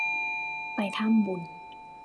ไปทำบุญ